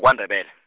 kwaNdebele.